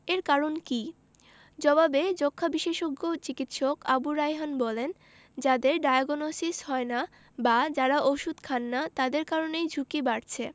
এর কারণ কী জবাবে যক্ষ্মা বিশেষজ্ঞ চিকিৎসক আবু রায়হান বলেন যাদের ডায়াগনসিস হয় না বা যারা ওষুধ খান না তাদের কারণেই ঝুঁকি বাড়ছে